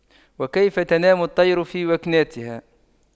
وكيف تنام الطير في وكناتها